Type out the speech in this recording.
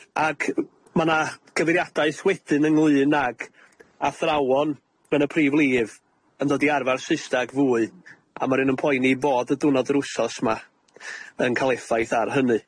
Ac ma' 'na gyfeiriadaeth wedyn ynglŷn ag athrawon yn y prif lif yn dod i arfar Susnag fwy, a ma rw'un yn poeni bod y dwrnod yr wsos 'ma yn ca'l effaith ar hynny.